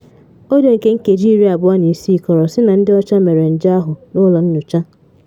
Odiyo nke nkeji 26 kọọrọ sị na ndị ọcha mere nje ahụ n'ụlọ nnyocha.